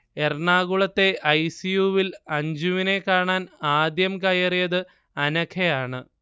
എറണാകുളത്തെ I. C. U വിൽ അഞ്ജുവിനെ കാണാൻ ആദ്യം കയറിയത് അനഘയാണ്